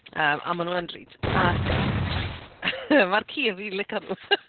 Yym a maen nhw yn drud ac ma'r ci yn rili lico nhw.